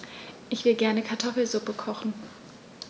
Ich will gerne Kartoffelsuppe kochen.